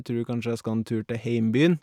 Tror kanskje jeg skal en tur til heimbyen.